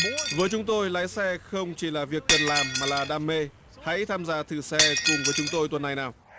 với chúng tôi lái xe không chỉ là việc cần làm mà là đam mê hãy tham gia thử xe cùng với chúng tôi tuần nào